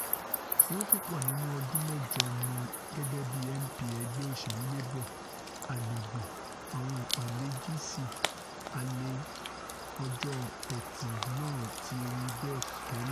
Fún púpọ̀ nínú ọdún mẹ́jọ mi gẹ́gẹ́bí MP ẹgbẹ́ òṣèlú Labour agbègbè, àwọn ìpàdé GC àlẹ́ ọjọ́ Ẹtì náà ti rí bẹ́ẹ̀ gẹ́lẹ́.